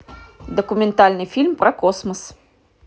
документальный фильм про космос